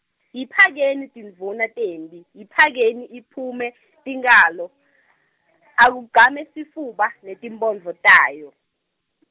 Yiphakeni tindvuna temphi, Yiphakeni iphume, tinkhalo , Akugcame sifuba, netimphondvo tayo.